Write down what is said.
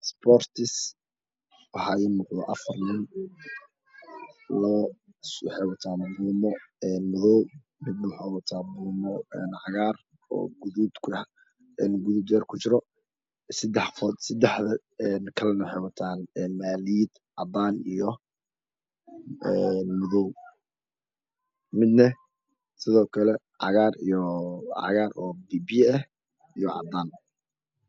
Sports waxaa ii muuqda afar nin labo waxay wataan buumo een madow midna wuxuu wataa buumo cagaar oo guduud een guduud yar ku jiro sadexda kale waxay wataan maaliyad cadaan ah iyo madow midna sidoo kale cagaar oo biyo biyo ah iyo cadaan